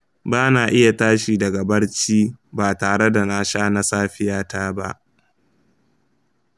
ba na iya tashi daga barci ba tare da na sha na safiyata ba.